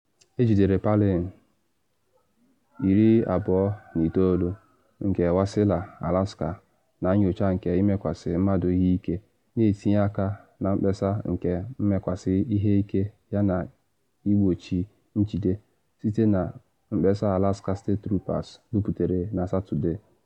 Ejidere Palin, 29, nke Wasilla, Alaska, na nyocha nke ịmekwasị mmadụ ihe ike, na etinye aka na mkpesa nke mmekwasị ihe ike yana igbochi njide, site na mkpesa Alaska State Troopers buputere na Satọde.